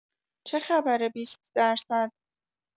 چخبره ۲۰ درصد!